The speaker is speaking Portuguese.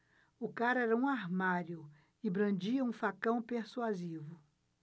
o cara era um armário e brandia um facão persuasivo